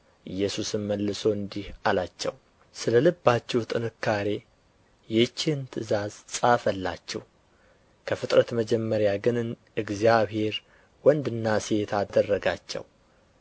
ኢየሱስም መልሶ እንዲህ አላቸው ስለ ልባችሁ ጥንካሬ ይህችን ትእዛዝ ጻፈላችሁ ከፍጥረት መጀመሪያ ግን እግዚአብሔር ወንድና ሴት አደረጋቸው